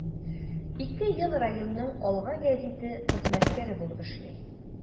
Ике ел районның “Алга” гәзите хезмәткәре булып эшли.